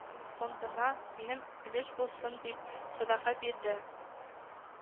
Фондына минем өлеш булсын дип, садака бирде